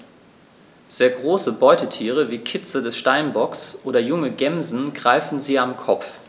Sehr große Beutetiere wie Kitze des Steinbocks oder junge Gämsen greifen sie am Kopf.